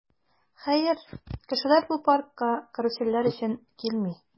Хәер, кешеләр бу паркка карусельләр өчен килми.